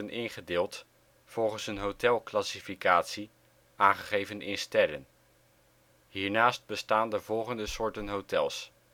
ingedeeld volgens een hotelclassificatie aangegeven in sterren. Hiernaast bestaan de volgende soorten hotels: Appartementenhotel/Aparthotel